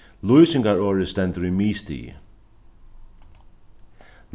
lýsingarorðið stendur í miðstigi